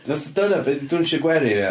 Fatha dyna be 'di dawnsio gwerin ia.